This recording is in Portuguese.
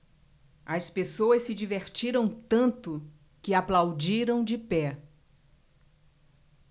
as pessoas se divertiram tanto que aplaudiram de pé